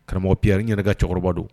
Karamɔgɔ ppiyri yɛrɛka cɛkɔrɔba don